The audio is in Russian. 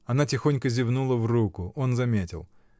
Она тихонько зевнула в руку: он заметил.